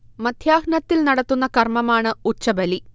മധ്യാഹ്നത്തിൽ നടത്തുന്ന കർമമാണ് ഉച്ചബലി